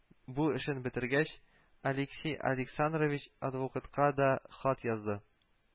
Бу эшен бетергәч, Алексей Александрович адвокатка да хат язды